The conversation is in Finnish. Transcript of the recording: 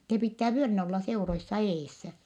se pitää vyölinä olla seuroissa edessä